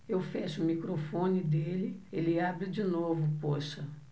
eu fecho o microfone dele ele abre de novo poxa